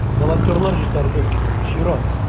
Волонтерлар җитәрлек - чират.